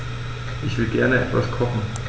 Ich will gerne etwas kochen.